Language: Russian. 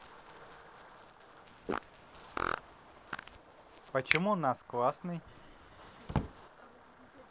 почему нас классный